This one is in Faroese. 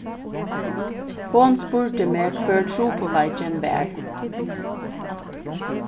hon spurdi meg hvør trupulleikin var